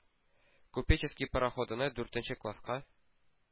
“купеческий“ пароходына, дүртенче класска